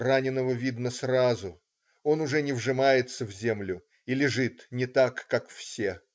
Раненого видно сразу: он уже не вжимается в землю и лежит не так, как все.